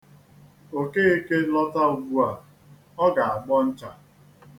Okeke lọta ugbu a, ọ ga-agbọ ncha.